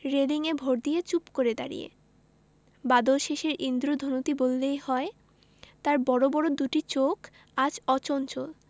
রেলিঙে ভর দিয়ে চুপ করে দাঁড়িয়ে বাদলশেষের ঈন্দ্রধনুটি বললেই হয় তার বড় বড় দুটি চোখ আজ অচঞ্চল